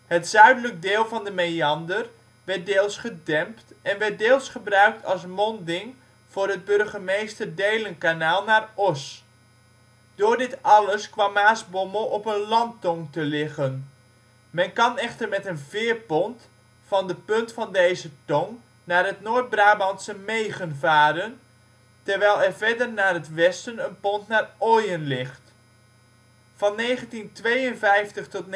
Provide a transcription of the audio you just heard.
Het zuidelijk deel van de meander werd deels gedempt, en werd deels gebruikt als monding voor het Burgemeester Delenkanaal naar Oss. Door dit alles kwam Maasbommel op een landtong te liggen. Men kan echter met een veerpont van de punt van deze tong naar het Noord-Brabantse Megen varen, terwijl er verder naar het westen een pont naar Oijen ligt. Van 1952 tot